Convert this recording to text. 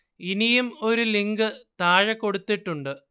ഇനിയും ഒരു ലിങ്ക് താഴെ കൊടുത്തിട്ടുണ്ട്